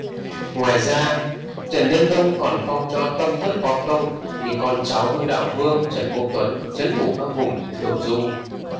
ngoài ra trần nhân tông còn phong cho tông thất có công như con cháu hưng đạo vương trần quốc tuấn trấn thủ các vùng thượng du